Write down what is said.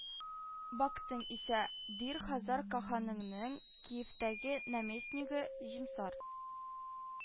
Бактың исә, Дир хазар каханының Киевтәге наместнигы Җимсар